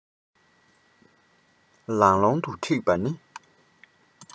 ལང ལོང དུ འཁྲིགས པ ནི